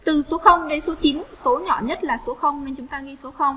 từ số đến số số nhỏ nhất là số nên chúng ta ghi số